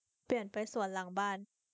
เปลี่ยนไปสวนหลังบ้าน